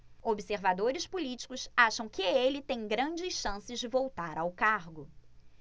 observadores políticos acham que ele tem grandes chances de voltar ao cargo